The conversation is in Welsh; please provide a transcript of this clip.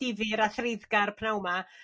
difyr a threiddgar pnawn 'ma